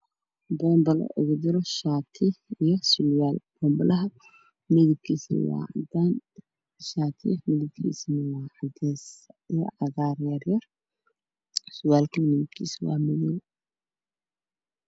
Waa bambola midabkiisu yahay caddaan waxaa ku jira shaati midabkiisa yahay caddahan cadday surwaalka waa midow